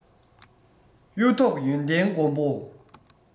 གཡུ ཐོག ཡོན ཏན མགོན པོ